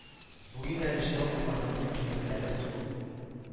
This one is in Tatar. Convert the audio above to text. Бу юнәлештә уфаның мөмкинлекләре зур